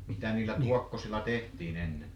mitä niillä tuokkosilla tehtiin ennen